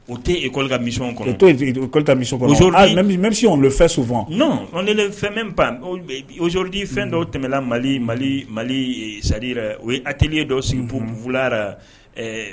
O tɛ yen koli kamisi kɔrɔ' koli kami bɛ fɛ so fɔ kɛlen fɛn bɛ pan ozodi fɛn dɔw tɛmɛla mali mali mali sadi o a teli dɔw sigi bon mulara